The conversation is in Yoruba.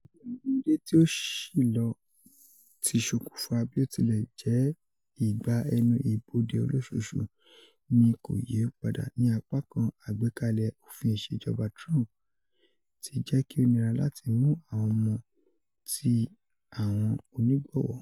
Iye awọn ọmọde ti o ṣilọ ti ṣokunfa bi o tilẹ jẹ igba ẹnu ibode oloṣooṣu ni ko yii pada, ni apakan agbekalẹ ofin iṣejọba Trump t jẹ ki o nira lati mu awọn ọmọ ti awon onigbọwọ.